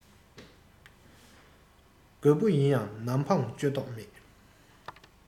རྒོད པོ ཡིན ཡང ནམ འཕང གཅོད མདོག མེད